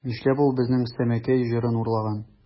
Нишләп ул безнең Сәмәкәй җырын урлаган?